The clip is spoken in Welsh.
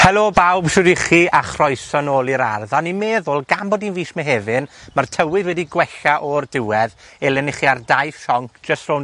Helo, bawb. Shwd y'ch chi? A chroeso nôl i'r ardd. A o'n i meddwl gan bod 'i'n fis Mehefin, ma'r tywydd wedi gwella o'r diwedd, elen i chi ar daith sionc jyst rownd